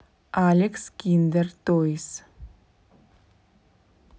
алекс киндер тойс